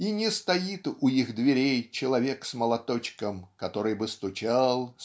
и не стоит у их дверей человек с молоточком который бы стучал